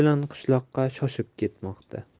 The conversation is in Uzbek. bilan qishloqqa shoshib ketmoqda